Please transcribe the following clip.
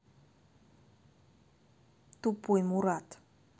тупой мурат